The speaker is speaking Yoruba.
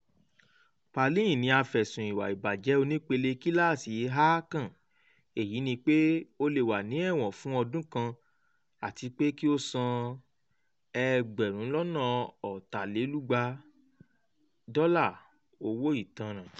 Palin ni a fẹsùn ìwà ìbàjẹ́ onípele Kíláàsì A kàn, èyí ni pé ó lè wà ní ẹ̀wọ̀n fún ọdún kan àti pé kí ó san $250,000 owó ìtánràn